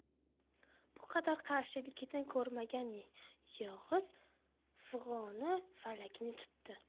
bu qadar qarshilikni ko'rmagan yog'iy fig'oni falakni tutti